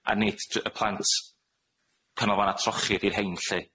a nid jy- y plant canolfanna trochi 'di'r rhein lly.